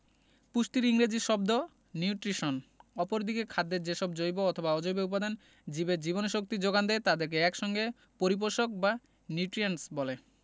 পুষ্টির ইংরেজি শব্দ নিউট্রিশন অপরদিকে খাদ্যের যেসব জৈব অথবা অজৈব উপাদান জীবের জীবনীশক্তির যোগান দেয় তাদের এক সঙ্গে পরিপোষক বা নিউট্রিয়েন্টস বলে